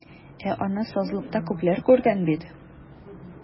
Ә аны сазлыкта күпләр күргән бит.